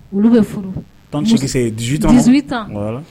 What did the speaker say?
Olu bɛ furu